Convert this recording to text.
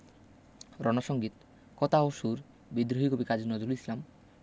রন সঙ্গীত কতা ও সুর বিদ্রোহী কবি কাজী নজরুল ইসলাম